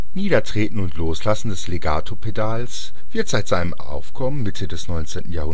Niedertreten und Loslassen des Legato-Pedals wird seit seinem Aufkommen Mitte des 19.